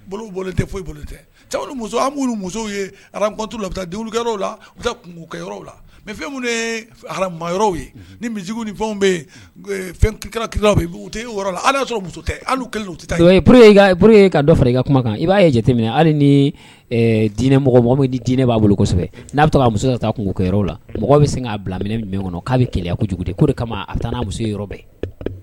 Tu mɛ minnuw nilaw i ka kuma kan i b'a ye jate hali dinɛ mɔgɔ dinɛ b'a bolosɛbɛ n'a to taa kungo kɛ la mɔgɔ bɛ bila kɔnɔ'a bɛ kojugu kama musobɛ